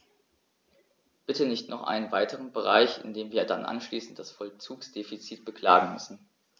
Bitte nicht noch einen weiteren Bereich, in dem wir dann anschließend das Vollzugsdefizit beklagen müssen.